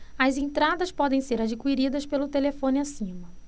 as entradas podem ser adquiridas pelo telefone acima